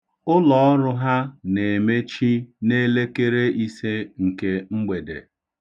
Ụlọọrụ ha na-emechi n'elekere ise nke mgbede.